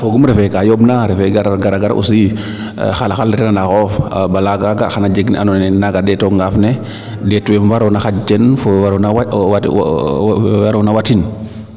ndaa fogum refe kaa yombna refe gara gor aussi xal xal xoxof bala kaaga xana jeg ne ando naye naaga ndeeto ŋaaf ne ndet we waroona xaƴ teen fo wee waroona watin